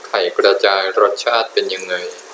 ไข่กระจายรสชาติเป็นยังไง